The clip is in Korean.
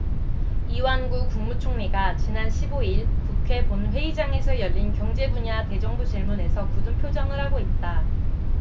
이완구 국무총리가 지난 십 오 일 국회 본회의장에서 열린 경제분야 대정부질문에서 굳은 표정을 하고 있다